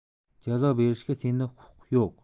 jazo berishga senda huquq yo'q